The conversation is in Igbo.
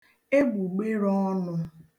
egbùgberē ọnụ̄